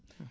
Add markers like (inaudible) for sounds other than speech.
(hesitation)